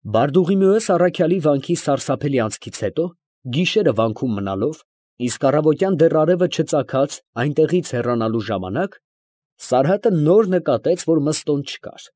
Բարդուղիմեոս առաքյալի վանքի սարսափելի անցքից հետո, գիշերը վանքում մնալով, իսկ առավոտյան դեռ արևը չծագած այնտեղից հեռանալու ժամանակ, Սարհատը նոր նկատեց, որ Մըստոն չկար։